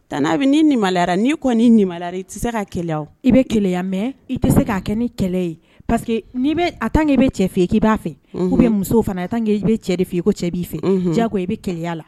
Tan n' bɛ nimalayara n'i kɔnimala i tɛ se ka kɛlɛya i bɛ kɛlɛya mɛn i tɛ se k'a kɛ ni kɛlɛ ye pa que ni a tan i bɛ cɛ fɛ k' b'a fɛ i bɛ muso fana a i bɛ cɛ de fɛ i ko cɛ b'i fɛ ja ko i bɛ kɛlɛya la